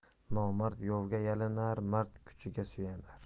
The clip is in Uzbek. nomard yovga yalinar mard kuchiga suyanar